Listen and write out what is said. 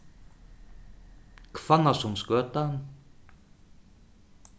hvannasundsgøta